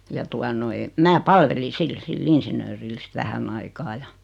ja tuota noin minä palvelin sillä sillä insinöörillä sitten vähän aikaa ja